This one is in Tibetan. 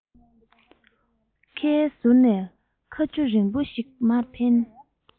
ཁའི ཟུར ནས ཁ ཆུ རིང པོ ཞིག མར འཐེན